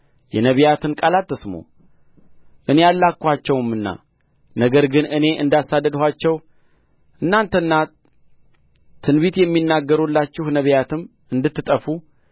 የነቢያትን ቃል አትስሙ እኔ አልላክኋቸውምና ነገር ግን እኔ እንዳሳድዳችሁ እናንተና ትንቢት የሚናገሩላችሁ ነቢያትም እንድትጠፉ